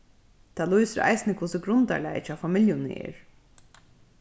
tað lýsir eisini hvussu grundarlagið hjá familjuni er